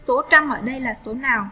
số trang ở đây là số nào